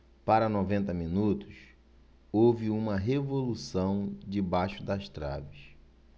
para noventa minutos houve uma revolução debaixo das traves